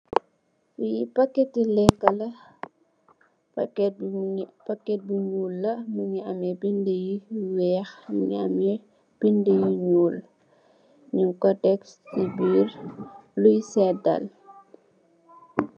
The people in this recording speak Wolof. Le paket ti lekka la packt bu nglu la mugi ameh bendi yu weex ni bindi yu ñuul nyu ko tek fu seddal.